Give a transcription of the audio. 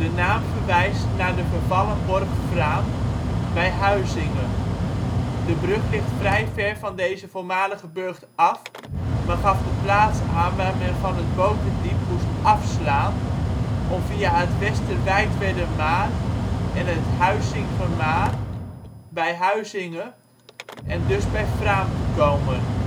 naam verwijst naar de (vervallen) borg Fraam bij Huizinge. De brug ligt vrij ver van deze voormalige burcht af, maar gaf de plaats aan waar men van het Boterdiep moest " afslaan " om via het Westerwijtwerdermaar en het Huizigermaar bij Huizinge (en dus bij Fraam) te komen